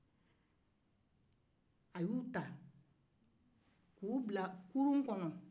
a y'u ta k'u bila kurun kɔnɔ